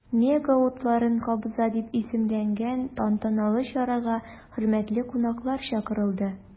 “мега утларын кабыза” дип исемләнгән тантаналы чарага хөрмәтле кунаклар чакырылды.